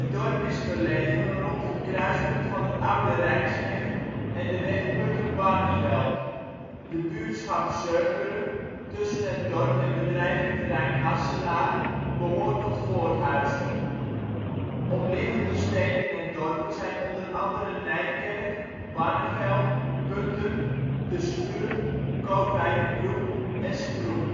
dorp is gelegen rond het kruispunt van de Oude Rijksweg en de weg Putten-Barneveld. De buurtschap Zeumeren, tussen het dorp en bedrijventerrein Harselaar, behoort tot Voorthuizen. Omliggende steden en dorpen zijn onder andere Nijkerk, Barneveld, Putten, Terschuur, Kootwijkerbroek en Stroe